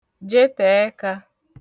jetè ẹkā